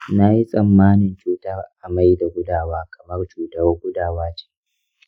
nayi tsammanin cutar amai da gudawa kamar cutar gudawa ce.